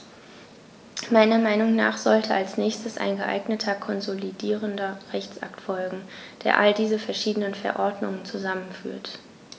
Meiner Meinung nach sollte als nächstes ein geeigneter konsolidierender Rechtsakt folgen, der all diese verschiedenen Verordnungen zusammenführt.